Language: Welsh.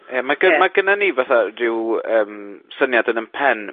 I mae gyn-... Ie. ...gynna ni fatha ryw yym syniad yn 'yn pen,